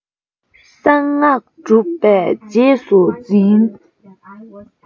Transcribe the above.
གསང སྔགས གྲུབ པས རྗེས སུ འཛིན